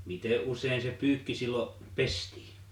miten usein se pyykki silloin pestiin